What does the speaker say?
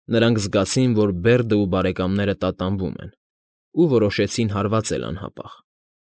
Նրանք զգացին, որ Բերդն ու բարեկամները տատանվում են ու որոշեցին հարվածել անհապաղ։